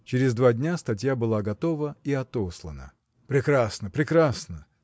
Через два дня статья была готова и отослана. – Прекрасно, прекрасно!